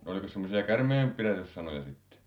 no olikos semmoisia käärmeenpidätyssanoja sitten